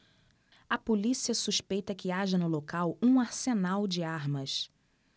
a polícia suspeita que haja no local um arsenal de armas